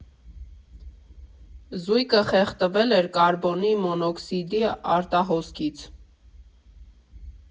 Զույգը խեղդվել էր կարբոնի մոնոքսիդի արտահոսքից։